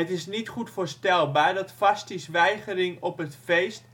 is niet goed voorstelbaar dat Vasthi 's weigering op het feest